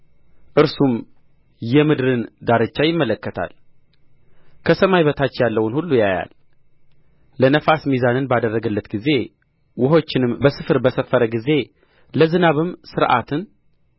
እርሱም የምድርን ዳርቻ ይመለከታል ከሰማይም በታች ያለውን ሁሉ ያያል ለነፋስ ሚዛንን ባደረገለት ጊዜ ውኆችንም በስፍር በሰፈረ ጊዜ ለዝናብም ሥርዓትን